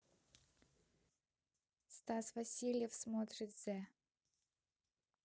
стас васильев смотрит з